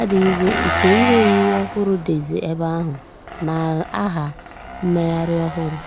adịghịzị nke ihe owuwu ọhụrụ dịzị ebe ahụ n'aha mmegharị ọhụrụ.